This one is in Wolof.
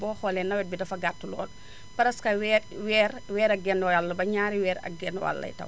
boo xoolee nawet bi dafa gàtt lool presque weer weer weer ak genn wàll ba ñaari weer ak genn wàll lay taw